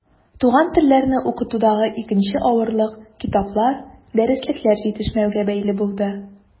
Туган телләрне укытудагы икенче авырлык китаплар, дәреслекләр җитешмәүгә бәйле булды.